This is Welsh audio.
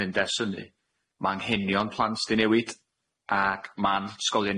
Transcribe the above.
mynd ers hynny ma' anghenion plant 'di newid ac ma'n ysgolion